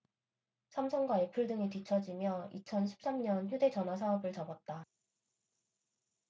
삼성과 애플 등에 뒤처지며 이천 십 삼 년 휴대전화사업을 접었다